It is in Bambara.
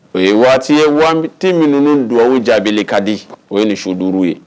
O ye waati ye waatiti minnu don jaabiele ka di o ye ninsu duuruuru ye